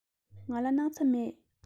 ང ལ སྣག ཚ མེད